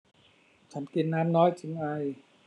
ฉันกินน้ำน้อยจึงไอ